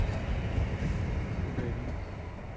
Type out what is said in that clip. давид